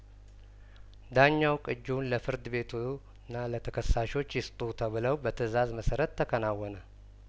ዳኛው ቅጂውን ለፍርድ ቤቱና ለተከሳሾች ይስጡ ተብለው በትእዛዝ መሰረት ተከናወነ